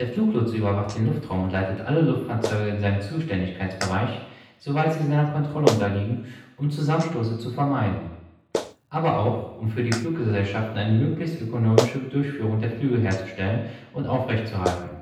Fluglotse überwacht den Luftraum und leitet alle Luftfahrzeuge in seinem Zuständigkeitsbereich, soweit sie seiner Kontrolle unterliegen, um Zusammenstöße zu vermeiden (Flugsicherung), aber auch, um für die Fluggesellschaften eine möglichst ökonomische Durchführung der Flüge herzustellen und aufrecht zu erhalten